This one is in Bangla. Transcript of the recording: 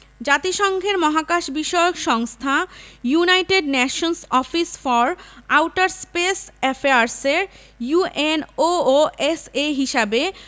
জাতিসংঘের মহাকাশবিষয়ক সংস্থা United Nations Office for Outer Space অ্যাফেয়ার্সের ইউএনওওএসএ হিসাবে